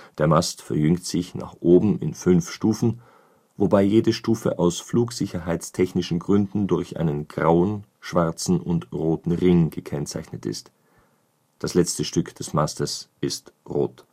Der Mast verjüngt sich nach oben in fünf Stufen, wobei jede Stufe aus flugsicherheitstechnischen Gründen durch einen grauen, schwarzen und roten Ring gekennzeichnet ist. Das letzte Stück des Mastes ist rot